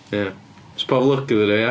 Ia so pob lwc iddyn nhw ia?